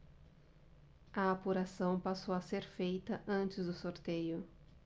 a apuração passou a ser feita antes do sorteio